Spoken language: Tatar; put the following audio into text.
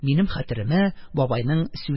Минем хәтеремә бабайның сүзе